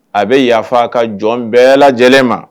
A bɛ yafa a ka jɔn bɛɛ lajɛlen ma